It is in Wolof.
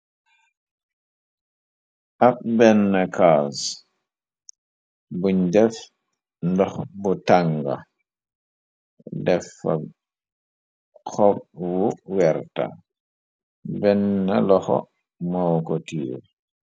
ak benn carse bun jef ndox bu tànga defa xob wu werta benn loxo moo ko tiir